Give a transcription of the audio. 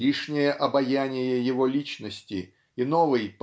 лишнее обаяние его личности и новый